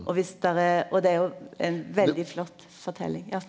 og viss der er og det er jo ein veldig flott forteljing ja.